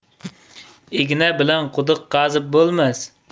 igna bilan quduq qazib bo'lmas